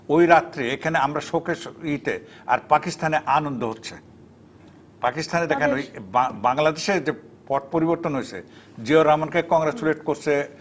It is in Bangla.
ওই রাত্রে আমরা এখানে শোকের ই তে আর পাকিস্তানের আনন্দ হচ্ছে পাকিস্তানের দেখেন ওই বাংলাদেশ যে পট পরিবর্তন হয়েছে জিয়াউর রহমানকে কংগ্র্যাচুলেট করছে